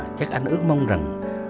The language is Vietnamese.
chắc anh ước mong rằng